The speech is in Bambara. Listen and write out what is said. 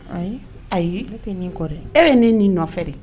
Ayi ayi e tɛ nin kɔrɔ dɛ e bɛ ne nin nɔfɛ de